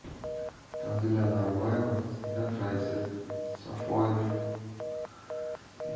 tanzila norboyeva senat raisi safoyev